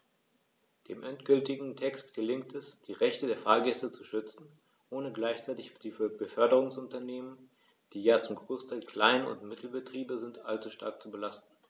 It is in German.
Dem endgültigen Text gelingt es, die Rechte der Fahrgäste zu schützen, ohne gleichzeitig die Beförderungsunternehmen - die ja zum Großteil Klein- und Mittelbetriebe sind - allzu stark zu belasten.